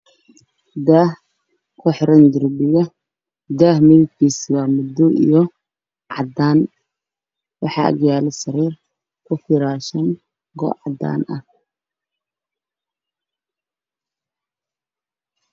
Waa guri daah ku xiran midabkiis yahay madow cadaan